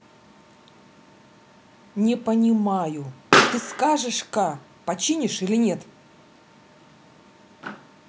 не понимаю ты скажешь ка починишь или нет